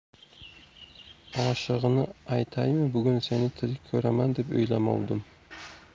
ochig'ini aytaymi bugun seni tirik ko'raman deb o'ylamovdim